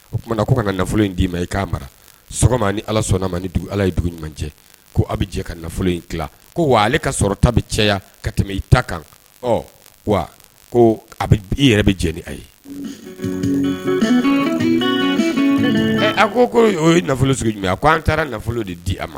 O tumaumana na ko ka nafolo in d'i ma i k'a mara sɔgɔma ni ala sɔnna ni ala ye dugu ɲuman cɛ ko a bɛ jɛ ka nafolo in ki ko wa ale ka sɔrɔ tabi cayaya ka tɛmɛ i ta kan ɔ ko a i yɛrɛ bɛ jɛ ni a ye a ko o nafolo sigi jumɛn a ko an taara nafolo de di a ma